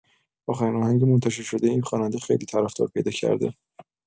آخرین آهنگ منتشرشده این خواننده خیلی طرفدار پیدا کرده.